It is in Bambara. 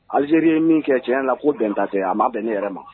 Alizeiriri ye min kɛ cɛ na k'u bɛn tatɛ a ma bɛn ne yɛrɛ ma